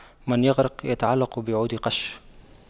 من يغرق يتعلق بعود قش